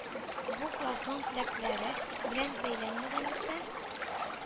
Бу классның теләкләре белән бәйләнмәгәнлектән,